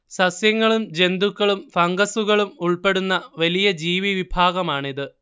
സസ്യങ്ങളും ജന്തുക്കളും ഫംഗസ്സുകളും ഉൾപ്പെടുന്ന വലിയ ജീവിവിഭാഗമാണിത്